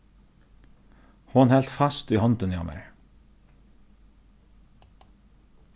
hon helt fast í hondini á mær